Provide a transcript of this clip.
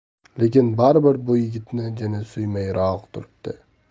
lekin bari bir bu yigitni jini suymayroq turibdi